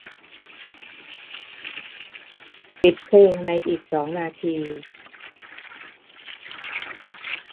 ปิดเพลงในอีกสองนาที